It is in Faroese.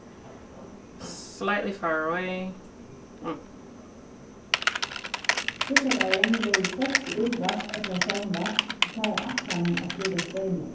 fríggjadagin verður hvørki útvarp ella sjónvarp tí tá er ætlanin at slíta streymin